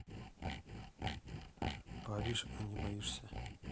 паришь а не боишься